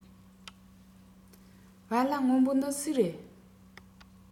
བལ ལྭ སྔོན པོ འདི སུའི རེད